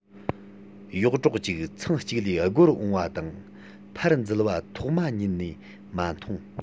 གཡོག གྲོག ཅིག ཚང གཅིག ལས སྒོར འོངས པ དང ཕར འཛུལ བ ཐོག མ ཉིད ནས མ མཐོང